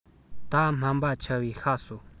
ད སྨན པ ཆ བོས ཤ ཟོ